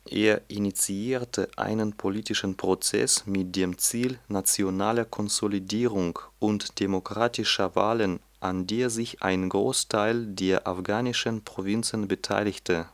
Er initiierte einen politischen Prozess mit dem Ziel nationaler Konsolidierung und demokratischer Wahlen, an der sich ein Großteil der afghanischen Provinzen beteiligte